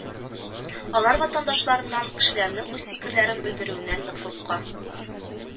Алар ватандашларыннан, кешеләрнең үз фикерләрен белдерүеннән нык курка